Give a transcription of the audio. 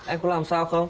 em có làm sao không